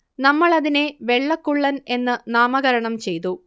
നമ്മൾ അതിനെ വെള്ളക്കുള്ളൻ എന്ന് നാമകരണം ചെയ്തു